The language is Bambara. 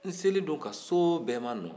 n selen don ka so bɛɛ manɔ